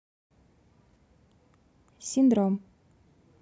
синдром